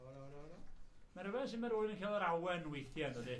Do do do do. Ma'n ryfedd sud ma' rywun yn ca'l yr awen weithie yndydi?